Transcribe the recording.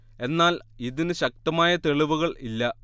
എന്നാൽ ഇതിന് ശക്തമായ തെളിവുകൾ ഇല്ല